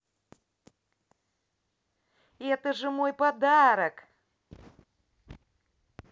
это же мой подарок